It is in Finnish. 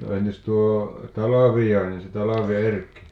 no entäs tuo Talviainen se Talvi-Erkki